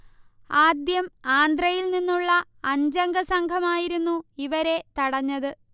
ആദ്യം ആന്ധ്രയിൽ നിന്നുള്ള അഞ്ചംഗ സംഘമായിരുന്നു ഇവരെ തടഞ്ഞത്